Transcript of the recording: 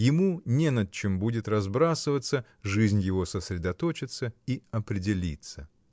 Ему не над чем будет разбрасываться, жизнь его сосредоточится и определится.